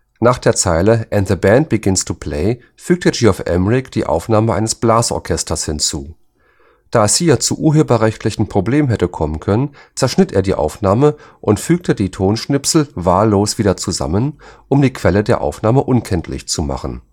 Nach der Zeile „ and the band begins to play… “fügte Geoff Emerick die Aufnahme eines Blasorchesters hinzu. Da es hier zu urheberrechtlichen Problemen hätte kommen können, zerschnitt er die Aufnahme und fügte die Tonschnipsel wahllos wieder zusammen, um die Quelle der Aufnahme unkenntlich zu machen